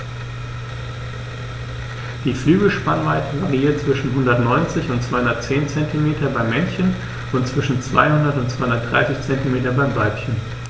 Die Flügelspannweite variiert zwischen 190 und 210 cm beim Männchen und zwischen 200 und 230 cm beim Weibchen.